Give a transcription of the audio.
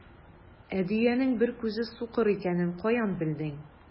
Ә дөянең бер күзе сукыр икәнен каян белдең?